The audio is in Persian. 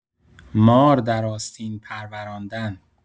مار در آستین پروراندن